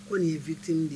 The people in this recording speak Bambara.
Ko nin ye fitinin de ye